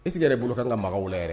I sigi yɛrɛ bolo ka makan wɛrɛ yɛrɛ